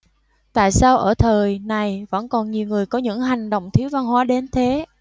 tại sao ở thời này vẫn còn nhiều người có những hành động thiếu văn hóa đến thế